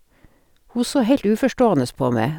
Hun så helt uforstående på meg.